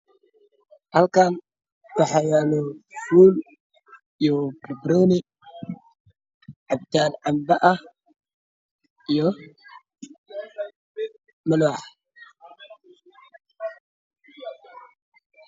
Halkan waxayalo fuul io barbaroni cabitan cambo ah io malwax